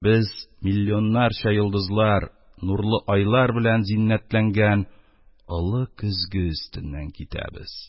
Без шул миллионнарча йолдызлар, нурлы айлар белән зиннәтләнгән олы көзге өстеннән китәбез...